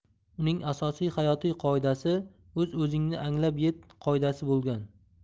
uning asosiy hayotiy qoidasi o'z o'zingni anglab yet qoidasi bo'lgan